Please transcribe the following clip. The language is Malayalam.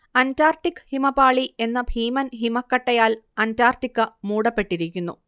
അന്റാർട്ടിക് ഹിമപാളി എന്ന ഭീമൻ ഹിമക്കട്ടയാൽ അന്റാർട്ടിക്ക മൂടപ്പെട്ടിരിക്കുന്നു